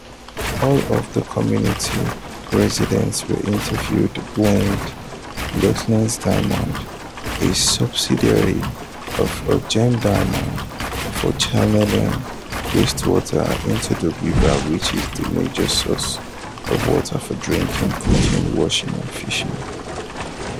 All of the community residents we interviewed blamed Letšeng Diamonds — a subsidiary of Gem Diamonds — for channelling wastewater into the river which is the major source of water for drinking, cooking, washing, and fishing.